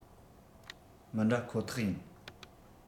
མི འདྲ ཁོག ཐག ཡིན